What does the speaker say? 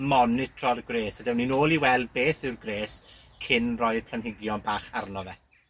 monitro'r gwres, a dewn ni nôl i weld beth yw'r gwres cyn rhoi'r planhigion bach arno fe.